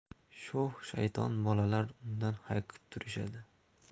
sho'x shayton bolalar undan hayiqib turishardi